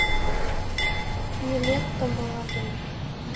нилетто молодым